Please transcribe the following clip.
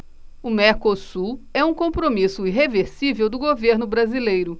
o mercosul é um compromisso irreversível do governo brasileiro